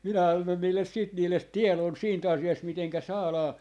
minä annoin niille sitten niille tiedon siitä asiasta miten saadaan